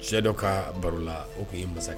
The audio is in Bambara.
Cɛ dɔ ka baro la o k'i mansakɛ